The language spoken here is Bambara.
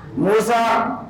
Mun sa